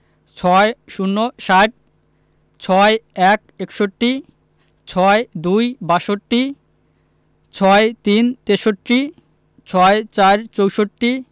৬০ - ষাট ৬১ – একষট্টি ৬২ – বাষট্টি ৬৩ – তেষট্টি ৬৪ – চৌষট্টি